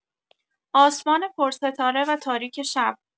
آسمان پرستاره و تاریک شب